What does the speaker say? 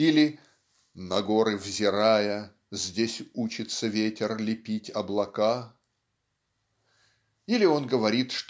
Или: На горы взирая, Здесь учится ветер лепить облака. Или он говорит